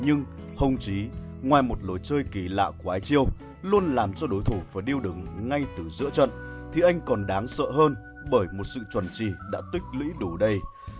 nhưng hồng trí ngoài một lối chơi kỳ lạ quái chiêu luôn làm cho đối thủ điêu đứng thì anh còn đáng sợ hơn bởi sự chuẩn chỉ đã tích lũy đủ đầy